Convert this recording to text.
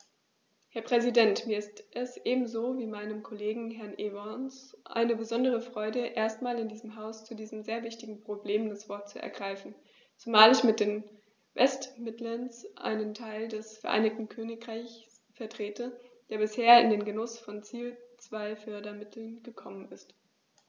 Herr Präsident, mir ist es ebenso wie meinem Kollegen Herrn Evans eine besondere Freude, erstmals in diesem Haus zu diesem sehr wichtigen Problem das Wort zu ergreifen, zumal ich mit den West Midlands einen Teil des Vereinigten Königreichs vertrete, der bisher in den Genuß von Ziel-2-Fördermitteln gekommen ist.